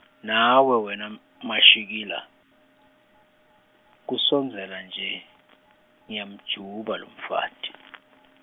nawe wena M- Mashikila, kusondzela nje, ngiyamjuba lomfati.